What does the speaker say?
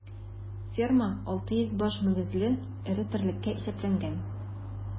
Ферма 600 баш мөгезле эре терлеккә исәпләнгән.